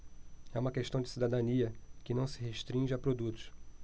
é uma questão de cidadania que não se restringe a produtos